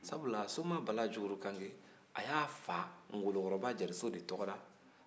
sabula soma bala jugurukange a y'a fa ngolo kɔrɔba jariso de tɔgɔ da